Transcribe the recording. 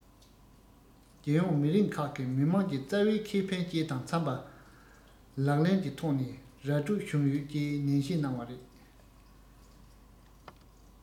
རྒྱལ ཡོངས མི རིགས ཁག གི མི དམངས ཀྱི རྩ བའི ཁེ ཕན བཅས དང འཚམས པ ལག ལེན གྱི ཐོག ནས ར འཕྲོད བྱུང ཡོད ཅེས ནན བཤད གནང བ རེད